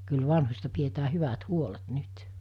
kyllä vanhoista pidetään hyvät huolet nyt